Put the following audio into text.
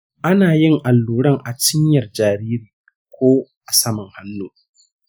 ana yin alluran a cinyar jariri ko a saman hannu.